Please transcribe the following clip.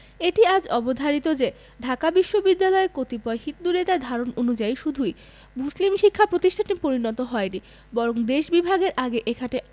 এটি আজ অবধারিত যে ঢাকা বিশ্ববিদ্যালয় কতিপয় হিন্দু নেতার ধারণা অনুযায়ী শুধুই মুসলিম শিক্ষা প্রতিষ্ঠানে পরিণত হয় নি বরং দেশ বিভাগের আগে এখানে